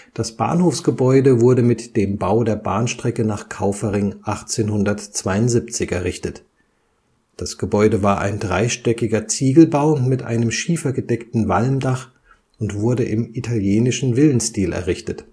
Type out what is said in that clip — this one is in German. Das Bahnhofsgebäude wurde mit dem Bau der Bahnstrecke nach Kaufering 1872 errichtet. Das Gebäude war ein dreistöckiger Ziegelbau mit einem schiefergedeckten Walmdach und wurde im italienischen Villenstil errichtet